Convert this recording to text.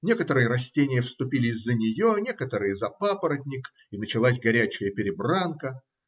Некоторые растения вступились за нее, некоторые за папоротник, и началась горячая перебранка.